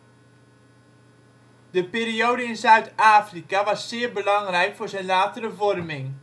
periode in Zuid-Afrika was zeer belangrijk voor zijn latere vorming